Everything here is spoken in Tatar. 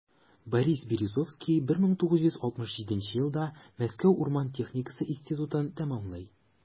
Борис Березовский 1967 елда Мәскәү урман техникасы институтын тәмамлый.